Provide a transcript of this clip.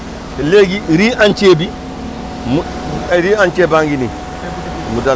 après léegi riz entier bi mu riz entier baa ngi nii